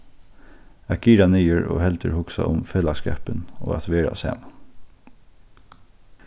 at gira niður og heldur hugsa um felagsskapin og at vera saman